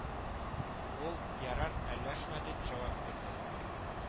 Ул: Ярар, әләшмә , дип җавап бирде